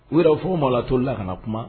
We fɔ matɔ la ka kuma